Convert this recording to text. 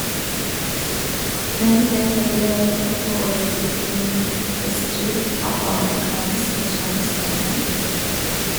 Men dette ble etterpå øyeblikkelig bestridt av amerikanske tjenestemenn.